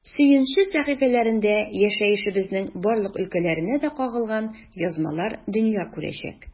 “сөенче” сәхифәләрендә яшәешебезнең барлык өлкәләренә дә кагылган язмалар дөнья күрәчәк.